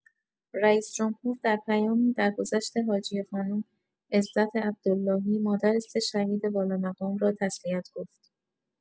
رئیس‌جمهور در پیامی، درگذشت حاجیه خانم عزت عبدالهی مادر سه شهید والامقام را تسلیت گفت.